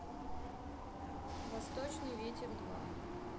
восточный ветер два